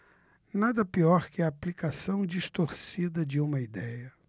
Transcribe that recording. nada pior que a aplicação distorcida de uma idéia